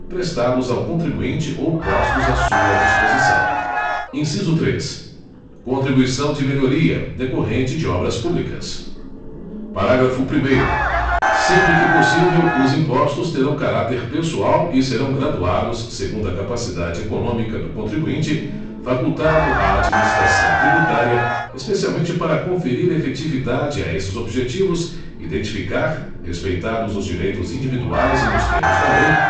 prestados ao contribuinte ou postos a sua disposição inciso três contribuição de melhoria decorrente de obras públicas parágrafo primeiro sempre que possível os impostos terão caráter pessoal e serão graduados segundo a capacidade econômica do contribuinte facultado à administração tributária especialmente para conferir efetividade a esses objetivos identificar respeitados os direitos individuais e nos termos da lei